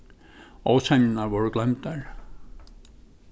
ósemjurnar vóru gloymdar